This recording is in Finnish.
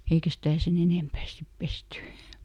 eikä sitä sen enempää sitten pesty